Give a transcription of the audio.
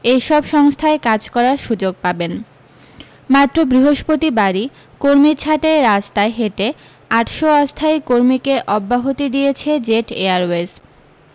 এই সব সংস্থায় কাজ করার সু্যোগ পাবেন মাত্র বৃহস্পতিবারি কর্মী ছাঁটাইয়ের রাস্তায় হেঁটে আটশ অস্থায়ী কর্মীকে অব্যাহতি দিয়েছে জেট এয়ারওয়েজ